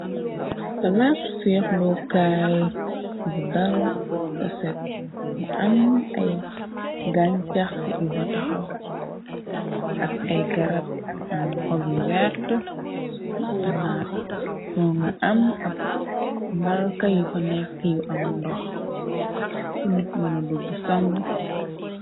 Bala su feexlokaay bu dal taset mu am ay gañcax yu fa taxaw ak ay garab yu am xob yu wert tanaat moo nga am ab mbalka yu fa nekk yu am ndox funit mëna dugg sangu.